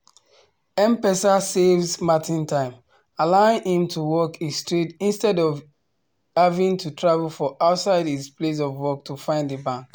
M-PESA saves Martin time, allowing him to work his trade instead of having to travel far outside his place of work to find a bank.